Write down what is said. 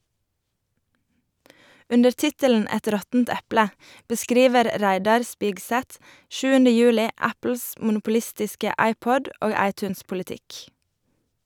Under tittelen "Et råttent eple" beskriver Reidar Spigseth 7. juli Apples monopolistiske iPod- og iTunes-politikk.